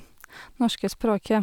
Norske språket.